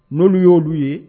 Nolu yo olu ye